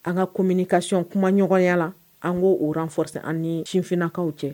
A' ka communication kumaɲɔgɔnyala an k'o o renforcer an ni sifinnakaw cɛ